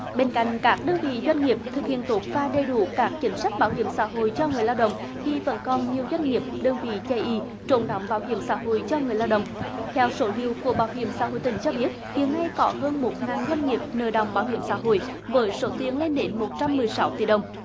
bên cạnh các đơn vị doanh nghiệp thực hiện tốt và đầy đủ các chính sách bảo hiểm xã hội cho người lao động thì vẫn còn nhiều doanh nghiệp đơn vị chây ỳ trốn đóng bảo hiểm xã hội cho người lao động theo số liệu của bảo hiểm xã hội tỉnh cho biết hiện nay có hơn một ngàn doanh nghiệp nợ đọng bảo hiểm xã hội với số tiền lên đến một trăm mười sáu tỷ đồng